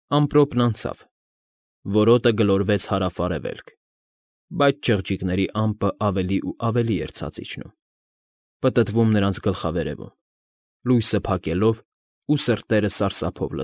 Ամպրոպն անցավ, որոտը գլորվեց հարավ֊արևելք, բայց չղջիկների ամպը ավելի ու ավելի էր ցած իջնում, պտտվում նրանց գլխավերևում, լույսը փակելով ու սրտերը սարսափով։